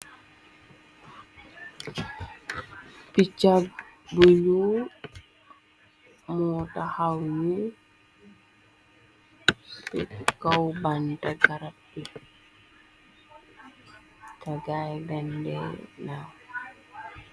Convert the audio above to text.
Picha bu nuul mu taxaw ni se kaw bante garab be ta gaye dangde naw.